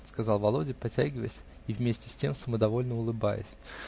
-- сказал Володя потягиваясь и вместе с тем самодовольно улыбаясь.